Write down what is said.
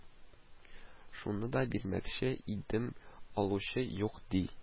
– шуны да бирмәкче идем, алучы юк, – ди